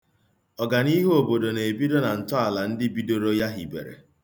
Ọganihu obodo na-ebido na ntọala ndị bidoro ya hibere.